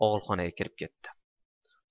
og'ilxonaga kirib ketdi